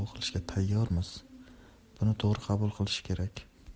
qilishga tayyormisiz buni to'g'ri qabul qilish kerak